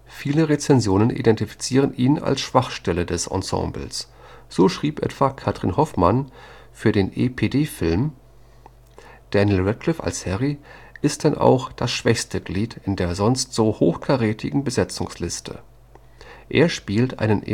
Viele Rezensionen identifizierten ihn als Schwachstelle des Ensembles; so schrieb etwa Katrin Hoffmann für den epd Film: „ Daniel Radcliffe als Harry ist denn auch das schwächste Glied in der sonst so hochkarätigen Besetzungsliste. Er spielt einen